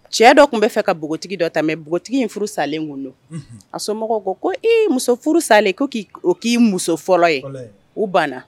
Cɛ dɔ tun b bɛ fɛ ka npogo dɔ tɛmɛ npogotigi in furu salen kun don a somɔgɔw ko ko e muso furu salen o k'i muso fɔlɔ ye u banna